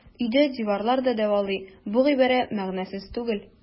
Өйдә диварлар да дәвалый - бу гыйбарә мәгънәсез түгел.